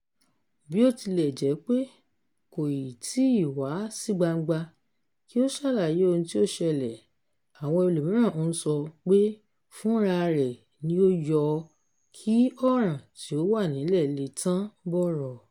Bíótilẹ̀jẹ́pé kòì tíì wá sí gbangba kí ó ṣàlàyé ohun tí ó ṣẹlẹ̀, àwọn ẹlòmíràn ń sọ pé fúnra rẹ̀ ni ó yọ ọ́ kí ọ̀ràn tó wà nílẹ̀ lè tán bọ̀rọ̀.